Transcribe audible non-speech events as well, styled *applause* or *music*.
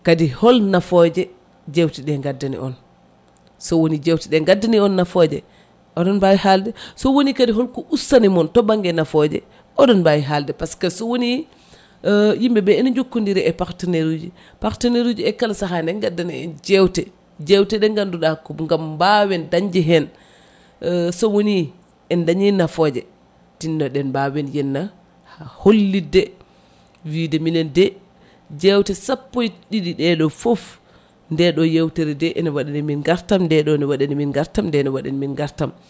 kadi hol nafooje jewteɗe gandani on sowoni jewteɗe gandani on nafooje oɗon mbawi haalde sowoni kadi holko ustani moon to banggue nafooje oɗo mbawi haalde par ce que sowoni *hesitation* yimɓeɓe ene jokkodiri e partenaire uji partenaire uji e kala saaha ne gandane jewte jewte ɗe ganduɗa ko gam mbawen dañde hen *hesitation* sowoni en dañi nafooje tinnoɗen mbawen yenna *hesitation* hollidde wiide minen de jewte sappo e ɗiɗi ɗeɗo foof ndeɗo yewtere nde ene waɗanimin gartam ndeɗo ne waɗanimin gartam ndeɗo ne waɗanimin gartam